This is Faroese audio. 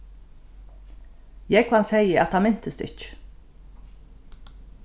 jógvan segði at hann mintist ikki